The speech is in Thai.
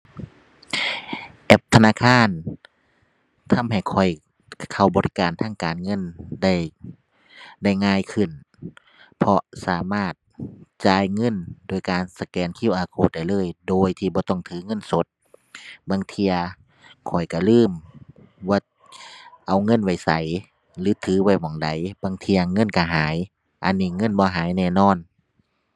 แอปธนาคาร ทำให้ข้อย ขะ ขะ เข้าบริการทางการเงินได้ ได้ง่ายขึ้น เพราะสามารถจ่ายเงินโดยการสแกน QR code ได้เลย โดยที่บ่ต้องถือเงินสด บางเที่ยข้อยก็ลืมว่าเอาเงินไว้ไส หรือถือไว้หม้องใด บางเที่ยเงินก็หาย อันนี้เงินบ่หายแน่นอน